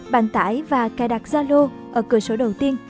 bạn tải và cài đặt zalo ở cửa sổ đầu tiên